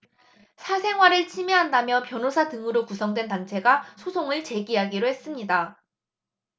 사생활을 침해한다며 변호사 등으로 구성된 단체가 소송을 제기하기로 했습니다